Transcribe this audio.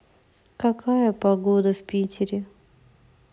какая погода в питере